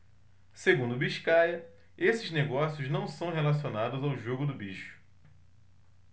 segundo biscaia esses negócios não são relacionados ao jogo do bicho